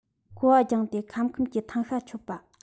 ཀོ བ བརྒྱངས ཏེ ཁམ ཁུམ གྱི ཐང ཤ གཅོད པ